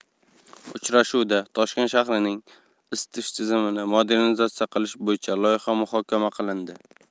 uchrashuvda toshkent shahrining isitish tizimini modernizatsiya qilish bo'yicha loyiha muhokama qilindi